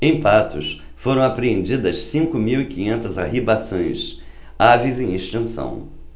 em patos foram apreendidas cinco mil e quinhentas arribaçãs aves em extinção